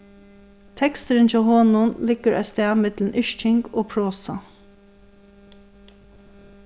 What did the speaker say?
teksturin hjá honum liggur eitt stað millum yrking og prosa